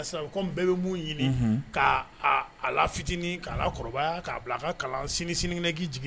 Ɲinitinin k' kɔrɔ' bila ka kalan sini sini jigin